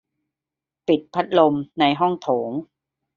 ปิดพัดลมในห้องโถง